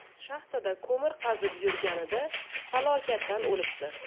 shaxtada ko'mir qazib yurganida falokatdan o'libdi